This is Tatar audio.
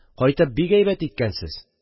– кайтып бик әйбәт иткәнсез!